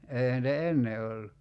eihän niitä ennen ollut